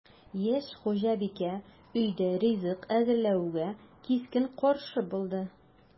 Яшь хуҗабикә өйдә ризык әзерләүгә кискен каршы булды: